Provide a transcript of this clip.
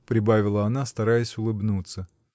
— прибавила она, стараясь улыбнуться.